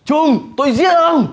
trung tôi giết ông